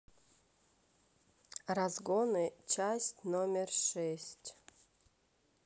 разгоны часть номер шесть